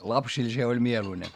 lapsille se oli mieluinen